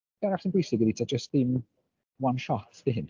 Be arall sy'n bwysig ydy taw jyst dim one-shot ydy hyn.